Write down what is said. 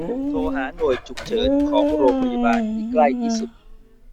โทรหาหน่วยฉุกเฉินของโรงพยาบาลที่ใกล้ที่สุด